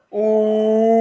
ù